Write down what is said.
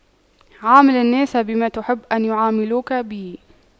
عامل الناس بما تحب أن يعاملوك به